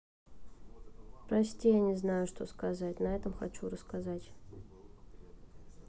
прости я не знаю что сказать на этом хочу рассказать